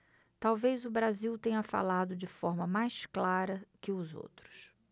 talvez o brasil tenha falado de forma mais clara que os outros